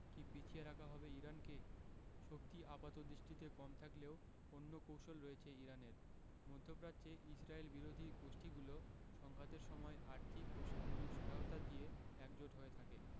কি পিছিয়ে রাখা হবে ইরানকে শক্তি আপাতদৃষ্টিতে কম থাকলেও অন্য কৌশল রয়েছে ইরানের মধ্যপ্রাচ্যে ইসরায়েলবিরোধী গোষ্ঠীগুলো সংঘাতের সময় আর্থিক ও সামরিক সহায়তা দিয়ে একজোট হয়ে থাকে